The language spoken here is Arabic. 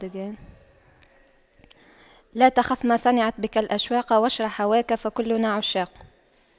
لا تخف ما صنعت بك الأشواق واشرح هواك فكلنا عشاق